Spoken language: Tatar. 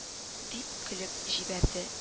—дип көлеп җибәрде